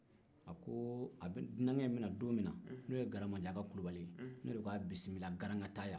a ko dunankɛ in bɛ na don min na n'o ye garanbajaka kulibali ye ne de k'a bisimila garankata yan